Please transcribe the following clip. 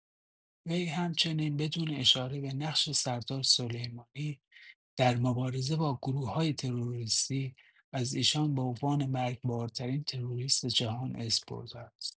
وی همچنین بدون اشاره به نقش سردار سلیمانی در مبارزه با گروه‌های تروریستی از ایشان به عنوان «مرگبارترین تروریست جهان» اسم برده است.